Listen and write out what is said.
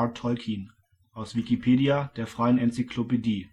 Tolkien, aus Wikipedia, der freien Enzyklopädie